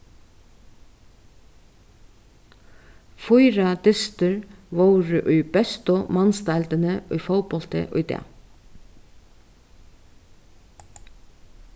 fýra dystir vóru í bestu mansdeildini í fótbólti í dag